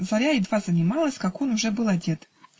Заря едва занималась, как он уже был одет.